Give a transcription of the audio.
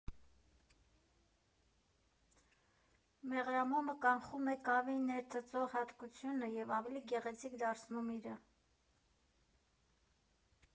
Մեղրամոմը կանխում է կավի ներծծող հատկությունը և ավելի գեղեցիկ դարձնում իրը։